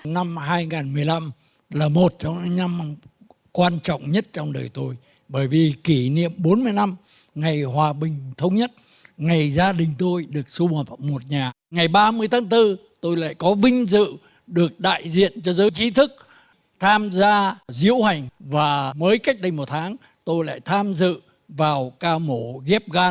năm hai ngàn mười lăm là một trong những năm quan trọng nhất trong đời tôi bởi vì kỷ niệm bốn mươi năm ngày hòa bình thống nhất ngày gia đình tôi được sum họp một nhà ngày ba mươi tháng tư tôi lại có vinh dự được đại diện cho giới trí thức tham gia diễu hành và mới cách đây một tháng tôi lại tham dự vào ca mổ ghép gan